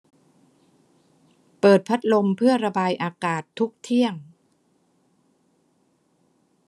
เปิดพัดลมเพื่อระบายอากาศทุกเที่ยง